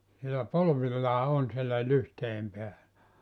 siellä polvillaan on siellä lyhteiden päällä